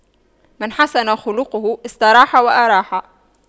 من حسن خُلُقُه استراح وأراح